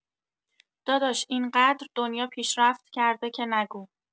داداش اینقدر دنیا پیشرفت کرده که نگو